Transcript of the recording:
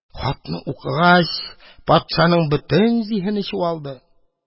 Хатны укыгач, патшаның бөтен зиһене чуалды.